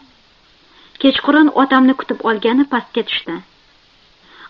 kechqurun otamni kutib olgani pastga tushdik